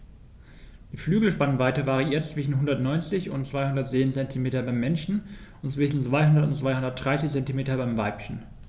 Die Flügelspannweite variiert zwischen 190 und 210 cm beim Männchen und zwischen 200 und 230 cm beim Weibchen.